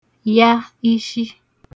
ya ishi